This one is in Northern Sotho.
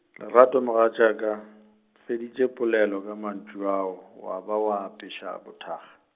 Lerato mogatšaka, feditše polelo ka mantšu ao, wa ba wa e apeša bothakga.